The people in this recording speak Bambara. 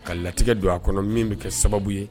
Ka latigɛ don a kɔnɔ min be kɛ sababu ye